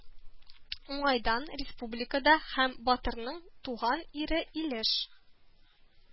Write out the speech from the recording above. Уңайдан республикада һәм батырның туган ире илеш